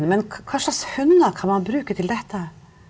men hva slags hunder kan man bruke til dette?